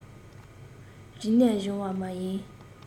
རིག གནས སྦྱོང བ མ ཡིན